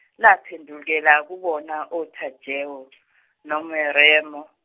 laphendukela kubona oTajewo noMeromo.